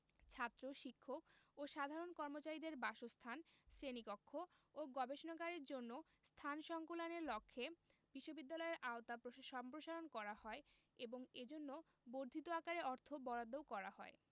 ছাত্র শিক্ষক ও সাধারণ কর্মচারীদের বাসস্থান শ্রেণীকক্ষ ও গবেষণাগারের জন্য স্থান সংকুলানের লক্ষ্যে বিশ্ববিদ্যালয়ের আওতা সম্প্রসারণ করা হয় এবং এজন্য বর্ধিত আকারে অর্থ বরাদ্দও করা হয়